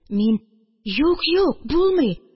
Мин: Юк, юк, булмый